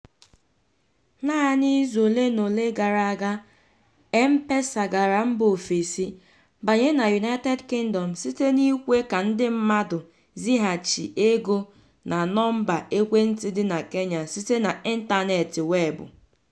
Naanị izu ole na ole gara aga, M-Pesa gara mba ofesi, banye na United Kingdom site n'ikwe ka ndị mmadụ zighachi ego na nọmba ekwentị dị na Kenya site n'ịntaneetị weebụ.